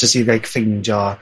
Jys i like ffeindio